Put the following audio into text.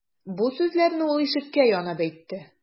Бу сүзләрне ул ишеккә янап әйтте.